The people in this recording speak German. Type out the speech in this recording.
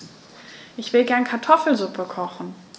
Ich will gerne Kartoffelsuppe kochen.